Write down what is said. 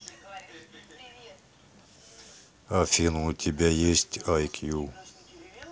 афина у тебя есть iq